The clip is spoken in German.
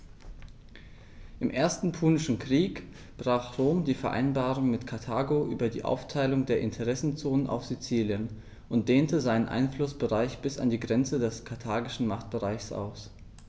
Im Ersten Punischen Krieg brach Rom die Vereinbarung mit Karthago über die Aufteilung der Interessenzonen auf Sizilien und dehnte seinen Einflussbereich bis an die Grenze des karthagischen Machtbereichs aus.